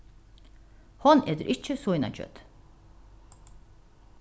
hon etur ikki svínakjøt